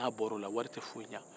n'a bɔra o la wari tɛ foyi ɲɛ